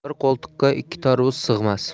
bir qo'ltiqqa ikki tarvuz sig'mas